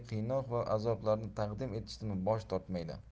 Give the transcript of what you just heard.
qiynoq va azoblarni taqdim etishdan bosh tortmaydi